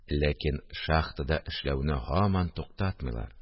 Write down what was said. Ләкин шахтада эшләүне һаман туктатмыйлар